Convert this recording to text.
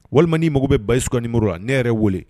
Walima mago bɛ ba skugani muru a ne yɛrɛ wele